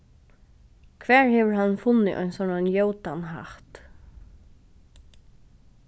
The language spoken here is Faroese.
hvar hevur hann funnið ein sovorðnan ljótan hatt